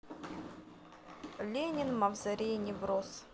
ленин мавзолей невзоров